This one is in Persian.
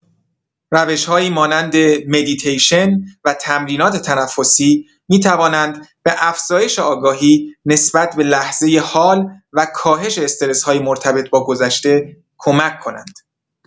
روش‌هایی مانند مدیتیشن و تمرینات تنفسی می‌توانند به افزایش آگاهی نسبت به لحظۀ حال و کاهش استرس‌های مرتبط با گذشته کمک کنند.